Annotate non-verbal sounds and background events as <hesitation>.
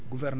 <hesitation> <hesitation>